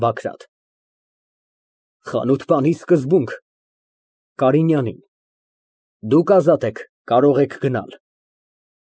ԲԱԳՐԱՏ ֊ Խանութպանի սկզբունք։ (Կարինյանին) Դուք ազատ եք, կարող եք գնալ։